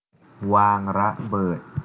วางระเบิด